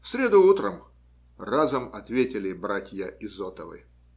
- В среду утром, - разом ответили братья Изотовы.